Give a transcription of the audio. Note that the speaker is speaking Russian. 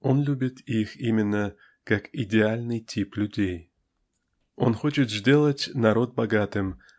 -- он любит их именно как идеальный тип людей. Он хочет сделать народ богатым